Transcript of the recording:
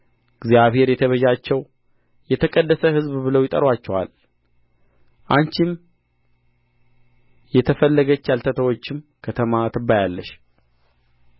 እግዚአብሔር የተቤዣቸው የተቀደሰ ሕዝብ ብለው ይጠሩአቸዋል አንቺም የተፈለገች ያልተተወችም ከተማ ትባያለሽ